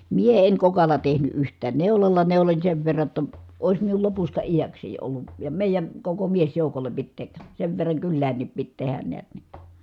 minä en kokalla tehnyt yhtään neulalla neuloin sen verran jotta olisi minulla lopusta iäkseni ollut ja meidän koko miesjoukolle piti - sen verran kyläänkin piti tehdä näet niin